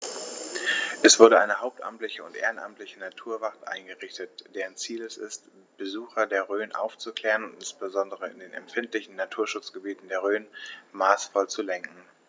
Es wurde eine hauptamtliche und ehrenamtliche Naturwacht eingerichtet, deren Ziel es ist, Besucher der Rhön aufzuklären und insbesondere in den empfindlichen Naturschutzgebieten der Rhön maßvoll zu lenken.